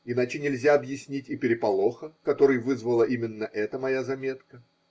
Иначе нельзя объяснить и переполоха, который вызвала именно эта моя заметка.